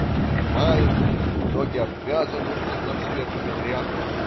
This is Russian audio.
Хромают, ноги обвязаны разноцветными тряпками.